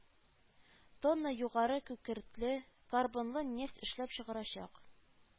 Тонна югары күкертле, корбонлы нефть эшләп чыгарачак